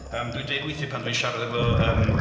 Yym dwi'n deud weithiau pan dwi'n siarad efo yym...